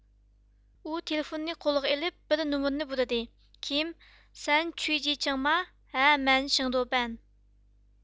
ئۇ تېلېفوننى قولىغا ئېلىپ بىر نومۇرنى بۇرىدى كىم سەن چۈيجىچىڭما ھە مەن شېڭدۇبەن